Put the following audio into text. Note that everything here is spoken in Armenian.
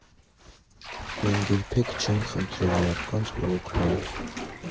Մենք երբեք չենք խնդրել մարդկանց, որ օգնեն։